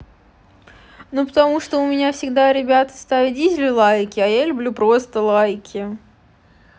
ну потому что у меня всегда ребята ставят дизель лайки а я люблю просто лайки